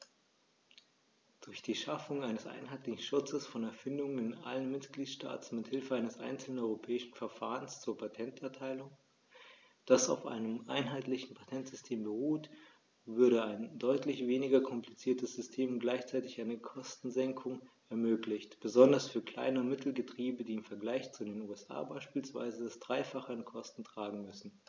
Durch die Schaffung eines einheitlichen Schutzes von Erfindungen in allen Mitgliedstaaten mit Hilfe eines einzelnen europäischen Verfahrens zur Patenterteilung, das auf einem einheitlichen Patentsystem beruht, würde ein deutlich weniger kompliziertes System und gleichzeitig eine Kostensenkung ermöglicht, besonders für Klein- und Mittelbetriebe, die im Vergleich zu den USA beispielsweise das dreifache an Kosten tragen müssen.